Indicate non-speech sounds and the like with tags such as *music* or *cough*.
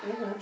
*hesitation* *hesitation*